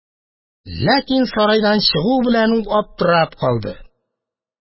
Ләкин, сарайдан чыгу белән, ул аптырап калды